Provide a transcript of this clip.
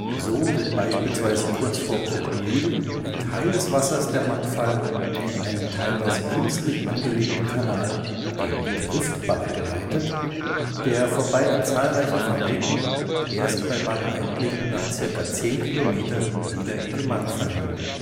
So wird beispielsweise kurz vor Bruckmühl ein Teil des Wassers der Mangfall in einen teilweise künstlich angelegten Kanal, den Triftbach geleitet, der vorbei an zahlreichen Fabriken, erst bei Bad Aibling, nach ca. 10 Kilometern wieder in die Mangfall mündet